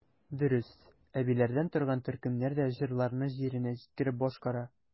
Дөрес, әбиләрдән торган төркемнәр дә җырларны җиренә җиткереп башкара.